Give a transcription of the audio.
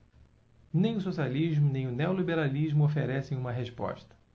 nem o socialismo nem o neoliberalismo oferecem uma resposta